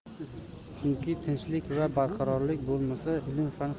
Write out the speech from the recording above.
chunki tinchlik va barqarorlik bo'lmasa ilm fan